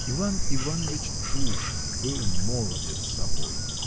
Иван Иванович Тушин был молодец собой.